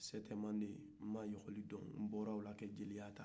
sɛtɛmande ma lɛkɔli don nbɔr'o la ka jeliya ta